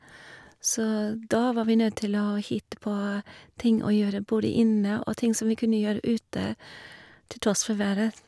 Så da var vi nødt til å hitte på ting å gjøre både inne og ting som vi kunne gjøre ute til tross for været.